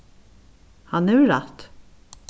hann hevur rætt